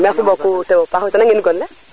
merci beaucoup o tewo paax wetana in gonle